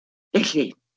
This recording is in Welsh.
Felly!